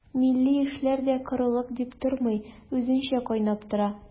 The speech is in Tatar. Милли эшләр дә корылык дип тормый, үзенчә кайнап тора.